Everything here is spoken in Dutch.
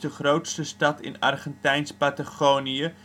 grootste stad in Argentijns Patagonië